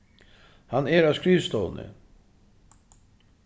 hann er á skrivstovuni